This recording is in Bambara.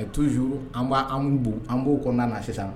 A tuzuru an b'o kɔnɔna na sisan